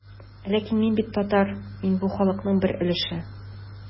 Ләкин мин бит татар, мин бу халыкның бер өлеше.